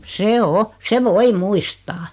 se on se voi muistaa